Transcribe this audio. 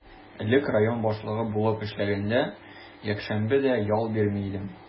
Элек район башлыгы булып эшләгәндә, якшәмбе дә ял бирми идем.